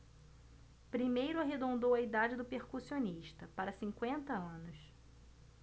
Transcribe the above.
primeiro arredondou a idade do percussionista para cinquenta anos